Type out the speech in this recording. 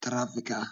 taraafiko ah.